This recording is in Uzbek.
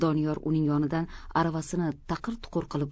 doniyor uning yonidan aravasini taqir tuqur qilib